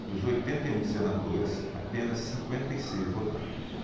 dos oitenta e um senadores apenas cinquenta e seis votaram